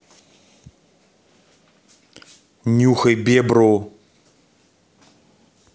нюхай бебру